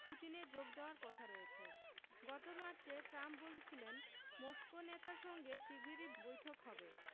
পুতিনের যোগ দেওয়ার কথা রয়েছে গত মার্চে ট্রাম্প বলেছিলেন মস্কো নেতার সঙ্গে শিগগিরই বৈঠক হবে